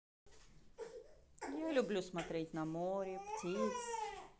я люблю смотреть на море птиц